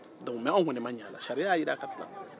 donke mɛ anw kɔni man ɲ'a la sariya ya jira a ka tila